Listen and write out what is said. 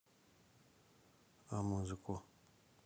а музыку